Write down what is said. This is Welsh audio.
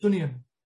Dwn i 'im.